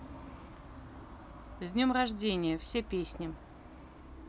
с днем рождения все песни